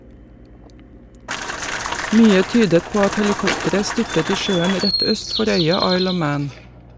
Mye tydet på at helikopteret styrtet i sjøen rett øst for øya Isle of Man.